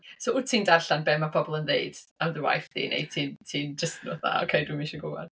So wyt ti'n darllen be mae pobl yn ddeud am dy waith 'di, neu ti ti jyst yn fatha "ok dwi'm isio gwbod".